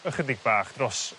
ychydig bach dros